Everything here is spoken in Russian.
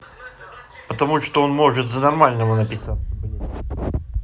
потому что он может за нормального написался блядь